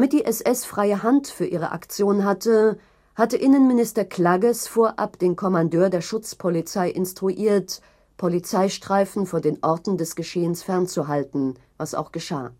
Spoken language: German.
die SS freie Hand für ihre Aktion hatte, hatte Innenminister Klagges vorab den Kommandeur der Schutzpolizei instruiert, Polizeistreifen von den Orten des Geschehens fern zu halten, was auch geschah